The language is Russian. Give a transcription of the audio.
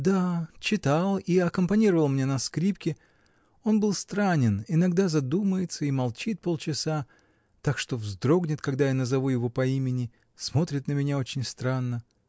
— Да, читал и аккомпанировал мне на скрипке: он бывал странен, иногда задумается и молчит полчаса, так что вздрогнет, когда я назову его по имени, смотрит на меня очень странно.